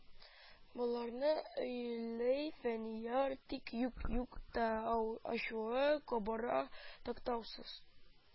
Боларны аөлый фәнияр, тик юк-юк та ау ачуы кабара, туктаусыз